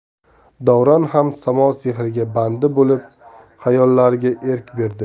davron ham samo sehriga bandi bo'lib xayollariga erk berdi